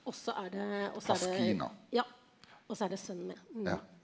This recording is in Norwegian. også er det også er det ja og så er det sønnen med .